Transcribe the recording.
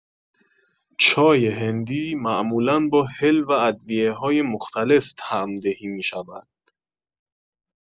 چای هندی معمولا با هل و ادویه‌های مختلف طعم دهی می‌شود.